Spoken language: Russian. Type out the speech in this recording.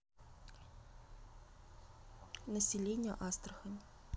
население астрахань